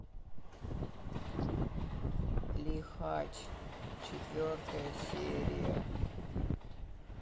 лихач четвертая серия